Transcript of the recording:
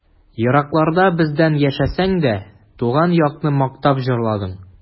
Еракларда бездән яшәсәң дә, Туган якны мактап җырладың.